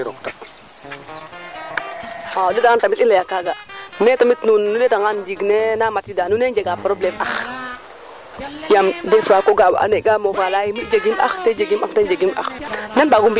mee keena tax kaa aussi o ref kama koɓaleene mbit kam kam marché ke jika ax areer roka kam pinke waanda axa areer taxee o duufa nga bo ndiinga sutoox o waanda na xooxof ax geeka na xooxof o fooge kaaga moƴe yoomb